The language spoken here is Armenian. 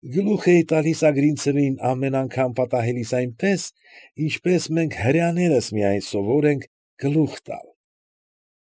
Գլուխ էի տալիս Ագրինցևին ամեն անգամ պատահելիս այնպես, ինչպես մենք՝ հրեաներս միայն սովոր ենք գլուխ տալ։